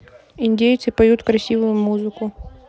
индейцы поют красивую музыку